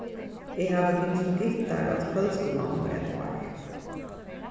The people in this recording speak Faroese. eg havi gingið til gittar á kvøldskúlanum í eitt ár